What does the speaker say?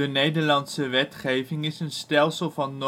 Nederlandse wetgeving is een stelsel van